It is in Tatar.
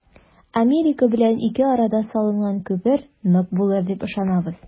Америка белән ике арада салынган күпер нык булыр дип ышанабыз.